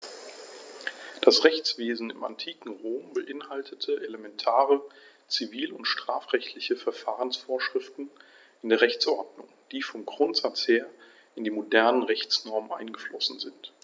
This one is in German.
Das Rechtswesen im antiken Rom beinhaltete elementare zivil- und strafrechtliche Verfahrensvorschriften in der Rechtsordnung, die vom Grundsatz her in die modernen Rechtsnormen eingeflossen sind.